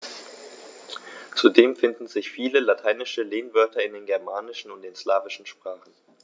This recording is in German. Zudem finden sich viele lateinische Lehnwörter in den germanischen und den slawischen Sprachen.